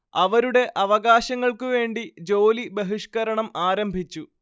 അവരുടെ അവകാശങ്ങൾക്കു വേണ്ടി ജോലി ബഹിഷ്കരണം ആരംഭിച്ചു